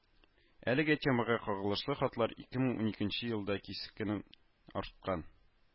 Әлеге темага кагылышлы хатлар ике мең уникенче елда кискен арткан